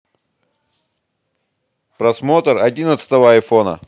просмотр одиннадцатого айфона